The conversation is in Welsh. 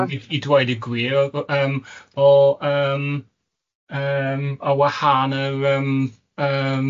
....yym i dwaud y gwir o yym o yym yym o wahân yr yym yym